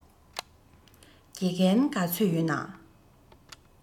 དགེ རྒན ག ཚོད ཡོད ན